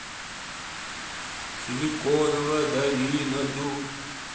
силиконовая долина дудь